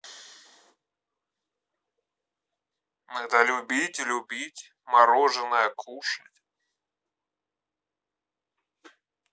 это любить любить мороженное кушать